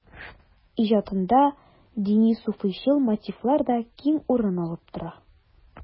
Иҗатында дини-суфыйчыл мотивлар да киң урын алып тора.